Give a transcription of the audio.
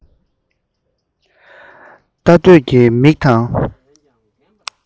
ལྟ འདོད ཀྱི མིག དང